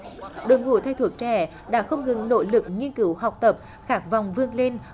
đoàn hội thầy thuốc trẻ đã không ngừng nỗ lực nghiên cứu học tập khát vọng vươn lên